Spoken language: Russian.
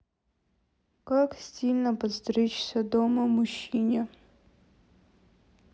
как стильно подстричься дома мужчине